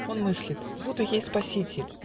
Он мыслит: "Буду ей спаситель.